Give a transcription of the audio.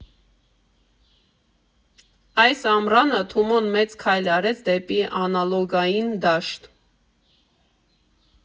Այս ամռանը Թումոն մեծ քայլ արեց դեպի անալոգային դաշտ.